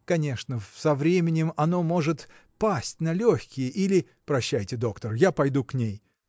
Конечно, со временем оно может пасть на легкие или. – Прощайте, доктор! я пойду к ней